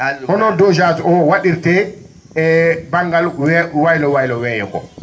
hono dosage o wa?irtee e ba?ngal waylo waylo weeyo ngoo